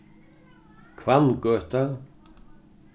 hvanngøta